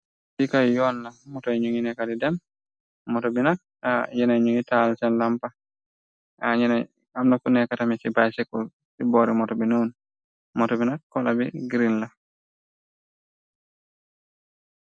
Fiikay yoon la motoy ñu ngi nekkati dem moto binak yena ñuy taal. Seen lampa yenay amna ko nekkatami ci bay séko ci boori moto binoon. Moto binak kola bi green la.